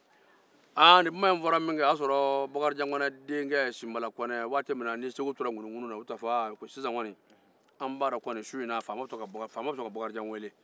on sait que le roi va appeler bakaridjan ce soir